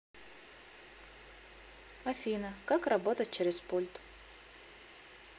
афина как работать через пульт